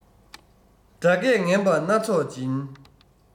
སྒྲ སྐད ངན པ སྣ ཚོགས འབྱིན